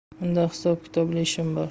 unda hisob kitobli ishim bor